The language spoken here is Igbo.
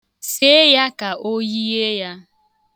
See ya ka o yie ya.